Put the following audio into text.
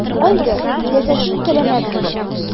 Әйдә, яшәсен сәламәт булып.